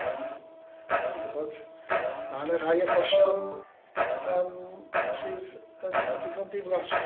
Yym chi'n gwbod ma' 'na rai achosion yym sydd yn yn ddigon diflas.